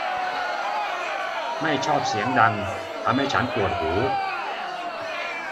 ไม่ชอบเสียงดังทำให้ฉันปวดหู